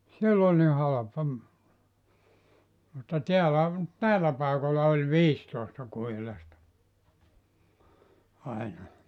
siellä oli niin halpa mutta täällä näillä paikoilla oli viisitoista kuhilasta aina